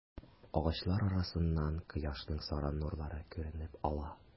Агачлар арасыннан кояшның саран нурлары күренеп ала.